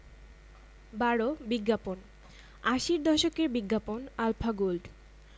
১৩ গল্প একদিন উত্তর হাওয়া এবং সূর্য তর্ক করছিল তাদের মধ্যে কে বেশি শক্তিমান সেই মুহূর্তে ভারি চাদর পরা একজন পথিক তাদের দিকে হেটে আসেন